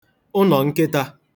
ụnọ̀ nkịtā